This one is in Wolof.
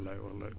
wallaay wallaay